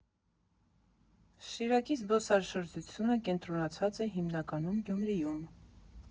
Շիրակի զբոսաշրջությունը կենտրոնացած է հիմնականում Գյումրիում։